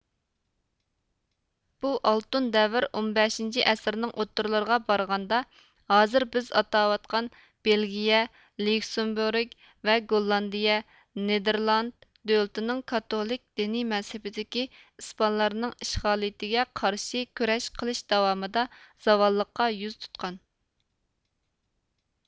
بۇ ئالتۇن دەۋر ئون بەشىنچى ئەسىرنىڭ ئوتتۇرىلىرىغا بارغاندا ھازىر بىز ئاتاۋاتقان بېلگىيە ليۇكسېمبۇرگ ۋە گوللاندىيە نېدېرلاند دۆلىتىنىڭ كاتولىك دىنىي مەزھىپىدىكى ئىسپانلارنىڭ ئىشغالىيىتىگە قارشى كۈرەش قىلىش داۋامىدا زاۋاللىققا يۈز تۇتقان